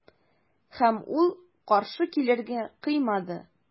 Һәм ул каршы килергә кыймады.